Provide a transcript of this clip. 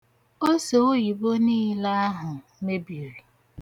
Oseoyibo niile ahụ mebiri.